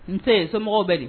Nse tɛ somɔgɔw bɛ